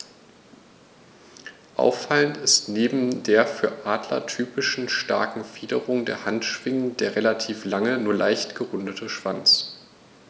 Auffallend ist neben der für Adler typischen starken Fingerung der Handschwingen der relativ lange, nur leicht gerundete Schwanz.